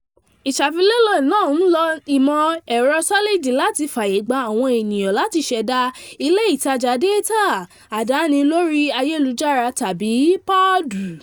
Ìṣàfilọ́̀lẹ̀ náà ń lo ìmọ̀ ẹ̀rọ Solid láti fààyègba àwọn ènìyàn láti ṣẹ̀dá “ilé ìtàjà dátà adáni lórí ayélujára” tàbí POD.